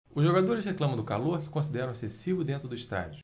os jogadores reclamam do calor que consideram excessivo dentro do estádio